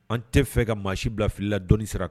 An tɛ fɛ ka maa si bilafili la dɔɔnini sira kan